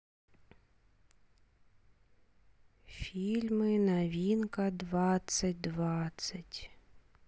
фильмы новинка двадцать двадцать